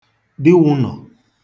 diwụ̄nọ̀